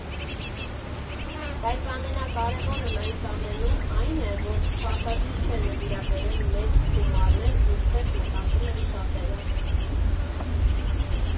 Բայց ամենակարևորն այս ամենում այն է, որ պարտադիր չէ նվիրաբերել մեծ գումարներ, ինչպես մտածում են շատերը։